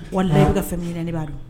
Wallahi ka bɛ ka fɛn min ɲini ne b'a dɔn.